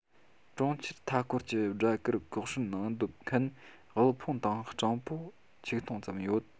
གྲོང ཁྱེར མཐའ འཁོར གྱི སྦྲ གུར གོག ཧྲུལ ནང སྡོད མཁན དབུལ ཕོངས དང སྤྲང པོ ཆིག སྟོང ཙམ ཡོད